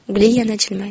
guli yana jilmaydi